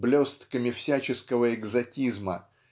блестками всяческого экзотизма